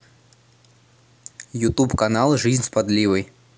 ютуб канал жизнь с подливой